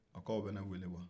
k'aw bɛ ne wele wa